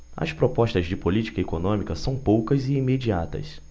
as propostas de política econômica são poucas e imediatas